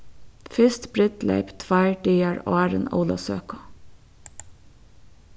fyrst brúdleyp tveir dagar áðrenn ólavsøku